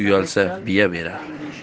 uyalsa biya berar